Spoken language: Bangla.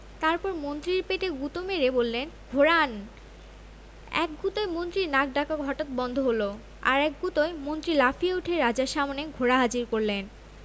তারপর মন্ত্রীর পেটে গুতো মেরে বললেন ঘোড়া আন এক গুতোয় মন্ত্রীর নাক ডাকা হঠাৎ বন্ধ হল আর এক গুতোয় মন্ত্রী লাফিয়ে উঠে রাজার সামনে ঘোড়া হাজির করলেন